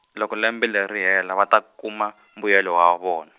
loko lembe leri ri hela va ta kuma, mbuyelo wa vona.